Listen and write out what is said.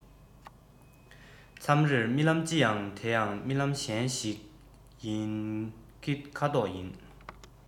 མཚམས རེར རྨི ལམ ཅི ཡང དེ ཡང རྨི ལམ གཞན ཞིག གི ཁ དོག ཡིན